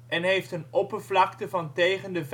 en heeft een oppervlakte van tegen de